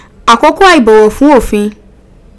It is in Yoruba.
Akoko aibowo fun ofin.